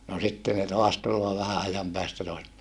no sitten ne taas tulee vähän ajan päästä taas